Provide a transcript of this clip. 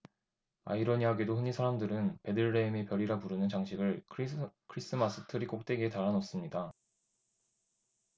아이러니하게도 흔히 사람들은 베들레헴의 별이라 부르는 장식을 크리스마스트리 꼭대기에 달아 놓습니다